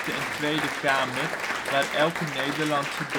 en Tweede Kamer waar elke Nederlandse